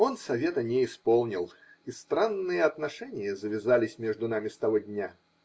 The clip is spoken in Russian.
Он совета не исполнил, и странные отношения завязались между нами с того дня